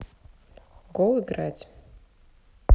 го играть